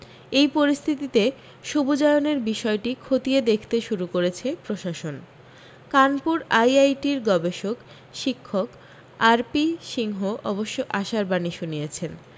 এই পরিস্থিতিতে সবুজায়নের বিষয়টি খতিয়ে দেখতে শুরু করেছে প্রশাসন কানপুর আইআইটির গবেষক শিক্ষক আরপি সিংহ অবশ্য আশার বাণী শুনিয়েছেন